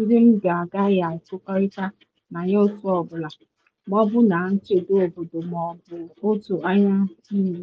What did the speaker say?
ndị m ga-agaghị ekwekọrịta na ya otu ọ bụla - ma ọ bụ na nchedo obodo ma ọ bụ otu ahịa EU.